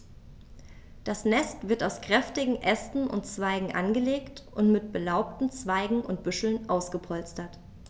Das Nest wird aus kräftigen Ästen und Zweigen angelegt und mit belaubten Zweigen und Büscheln ausgepolstert.